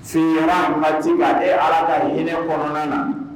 Tiɲɛ mati ka kɛ ala ka hinɛ kɔnɔna na